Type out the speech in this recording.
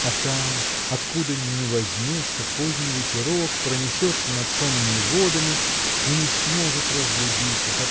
А там откуда ни возьмется поздний ветерок пронесется над сонными водами но не сможет разбудить их